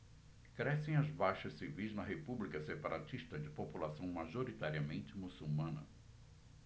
crescem as baixas civis na república separatista de população majoritariamente muçulmana